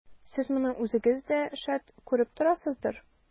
Сез моны үзегез дә, шәт, күреп торасыздыр.